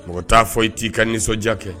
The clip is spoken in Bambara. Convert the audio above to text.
Mɔgɔ t'a fɔ i t'i ka nisɔndiya kɛ